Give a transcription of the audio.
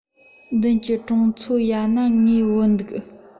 མདུན གྱི གྲོང ཚོ ཡ ན ངའི བུ འདུག